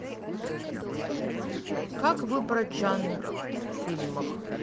как выбрать жанр в фильмах